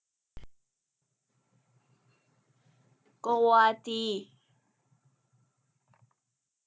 โกวาจี